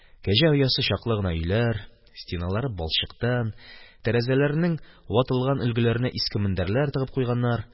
Кәҗә оясы чаклы гына өйләр, стеналары балчыктан, тәрәзәләренең ватылган өлгеләренә иске мендәрләр тыгып куйганнар.